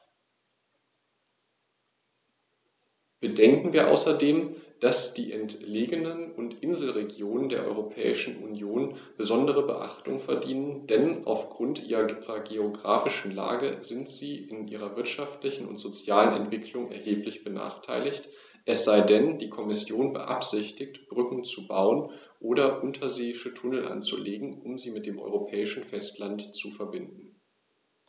Bedenken wir außerdem, dass die entlegenen und Inselregionen der Europäischen Union besondere Beachtung verdienen, denn auf Grund ihrer geographischen Lage sind sie in ihrer wirtschaftlichen und sozialen Entwicklung erheblich benachteiligt - es sei denn, die Kommission beabsichtigt, Brücken zu bauen oder unterseeische Tunnel anzulegen, um sie mit dem europäischen Festland zu verbinden.